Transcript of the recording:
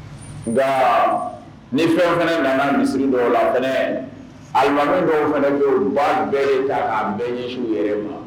Nka ni fɛn fana nana, misiri dɔw la fana, alimami dɔw fana bɛ yen u b'a bɛ ta ka ɲɛsin u yɛrɛ ma.